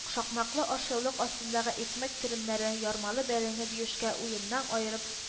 Шакмаклы ашъяулык астындагы икмәк телемнәре, ярмалы бәрәңге Биюшкә, уеннаң аерып